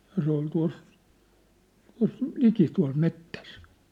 ja se oli tuossa tuossa liki tuolla metsässä